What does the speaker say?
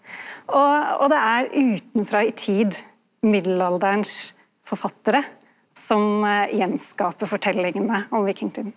og og det er utanfrå i tid, mellomalderens forfattarar som attskaper forteljingane om vikingtida.